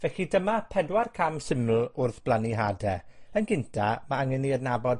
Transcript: Felly, dyma pedwar cam syml wrth blannu hade. Yn gynta, ma' angen ni adnabod